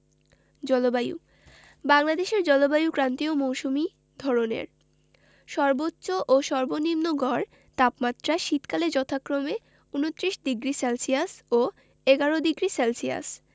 জলবায়ুঃ বাংলাদেশের জলবায়ু ক্রান্তীয় মৌসুমি ধরনের সর্বোচ্চ ও সর্বনিম্ন গড় তাপমাত্রা শীতকালে যথাক্রমে ২৯ ডিগ্রি সেলসিয়াস ও ১১ডিগ্রি সেলসিয়াস